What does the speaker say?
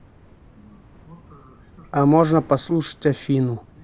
о а можно послушать афину